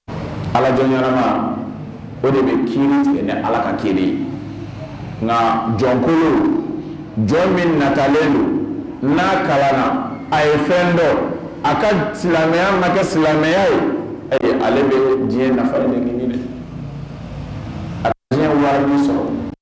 Alajma o de bɛ ki tigɛ ni ala ka kelen nka jɔnkulu jɔn min natalen don n kalan na a ye fɛn dɔ a ka silamɛya ma kɛ silamɛya ye ale de ye diɲɛ a wari min sɔrɔ